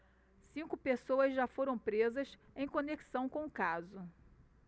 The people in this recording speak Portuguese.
cinco pessoas já foram presas em conexão com o caso